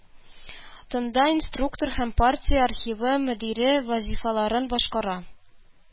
Тында инструктор һәм партия архивы мөдире вазифаларын башкара